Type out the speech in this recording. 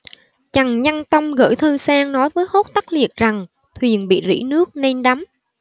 trần nhân tông gửi thư sang nói với hốt tất liệt rằng thuyền bị rỉ nước nên đắm